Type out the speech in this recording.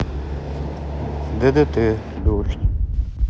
ддт дождь